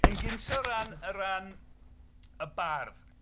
Yn gynta o ran... o ran y bardd.